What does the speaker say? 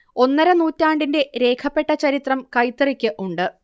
ഒന്നര നൂറ്റാണ്ടിന്റെ രേഖപ്പെട്ട ചരിത്രം കൈത്തറിക്ക് ഉണ്ട്